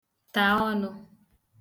ta ọnụ